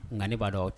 Nkai b'a dɔn